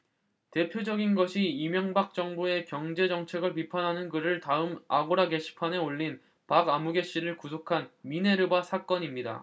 대표적인 것이 이명박 정부의 경제정책을 비판하는 글을 다음 아고라 게시판에 올린 박아무개씨를 구속한 미네르바 사건입니다